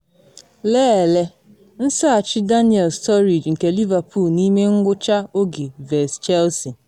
Lelee: Nsaghachi Daniel Sturridge nke Liverpool n’ime ngwụcha oge vs Chelsea